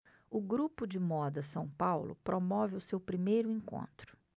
o grupo de moda são paulo promove o seu primeiro encontro